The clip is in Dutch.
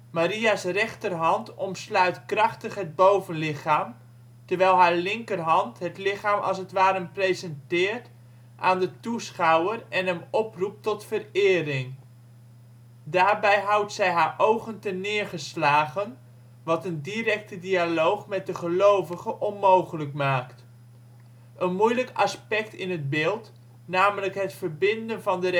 Maria’ s rechterhand omsluit krachtig het bovenlichaam, terwijl haar linkerhand het lichaam als het ware presenteert aan de toeschouwer en hem oproept tot verering. Daarbij houdt zij haar ogen terneergeslagen, wat een directe dialoog met de gelovige onmogelijk maakt. Een moeilijk aspect in het beeld, namelijk het verbinden van de